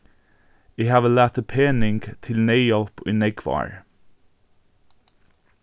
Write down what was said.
eg havi latið pening til neyðhjálp í nógv ár